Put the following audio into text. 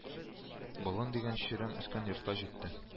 Болын дигән чирәм үскән йортка җитте